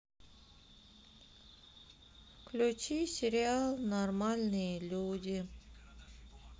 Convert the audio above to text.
включи сериал нормальные люди